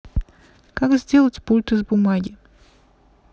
как сделать пульт из бумаги